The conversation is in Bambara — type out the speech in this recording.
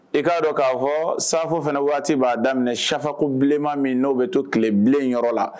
I k'a dɔn k'a fɔ safo fana waati b'a daminɛ safako bilenma min n'o bɛ to tilebilenyɔrɔ la